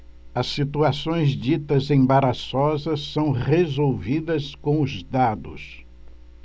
as situações ditas embaraçosas são resolvidas com os dados